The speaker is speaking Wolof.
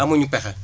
amuñu pexe